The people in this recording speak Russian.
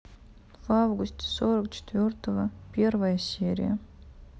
в августе сорок четвертого первая серия